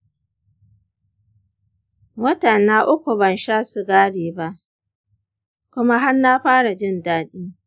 watana uku ban sha sigari ba kuma har na fara jin daɗi.